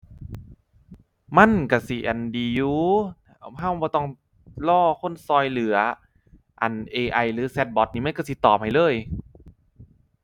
มันก็สิ อั่น ดีอยู่ ก็บ่ต้องรอคนก็เหลือ อั่น AI หรือแชตบอต นี่มันก็สิตอบให้เลย